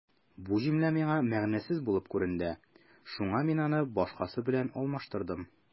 Бу җөмлә миңа мәгънәсез булып күренде, шуңа мин аны башкасы белән алмаштырдым.